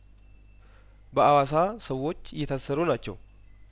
በአዋሳ ሰዎች እየታሰሩ ናቸው